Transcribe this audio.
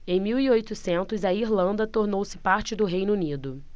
em mil e oitocentos a irlanda tornou-se parte do reino unido